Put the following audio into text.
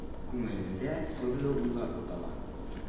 Күңелендә төрле уйлар бутала.